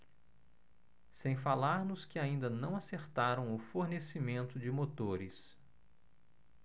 sem falar nos que ainda não acertaram o fornecimento de motores